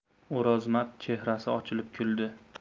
o'rozmat chehrasi ochilib kuldi